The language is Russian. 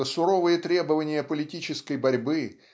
что суровые требования политической борьбы